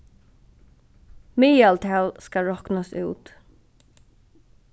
miðaltal skal roknast út